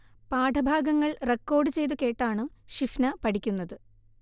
പാഠഭാഗങ്ങൾ റക്കോർഡ് ചെയ്തു കേട്ടാണു ഷിഫ്ന പഠിക്കുന്നത്